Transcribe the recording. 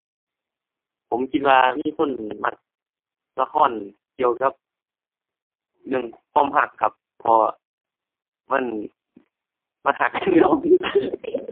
ผมคิดว่ามีคนมักละครเกี่ยวกับเรื่องความรักครับ เพราะว่ามัน มันรักกันครับ